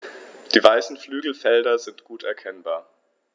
Die weißen Flügelfelder sind gut erkennbar.